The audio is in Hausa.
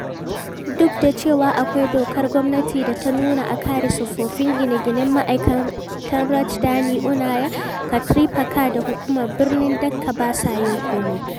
Duk da cewa akwai dokar gwamnati da ta nuna a kare tsofaffin gine-gine, ma'aikatan Rajdhani Uunnayan Kartripakkha da Hukumar Birnin Dhaka ba sa yin komai.